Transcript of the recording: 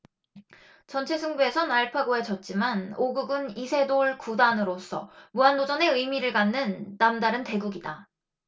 전체 승부에선 알파고에 졌지만 오 국은 이세돌 아홉 단으로서 무한도전의 의미를 갖는 남다른 대국이다